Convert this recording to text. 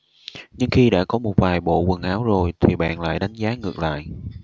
nhưng khi đã có một vài bộ quần áo rồi thì bạn lại đánh giá ngược lại